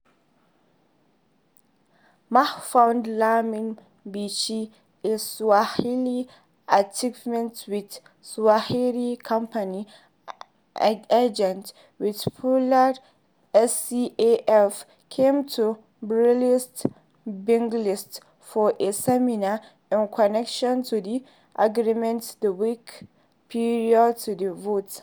Mahfoud Lamin Bechri, a Sahrawi activist with Sahrawi Campaign Against the Plunder (SCAP), came to Brussels, Belgium, for a seminar in connection to the agreement the week prior to the vote.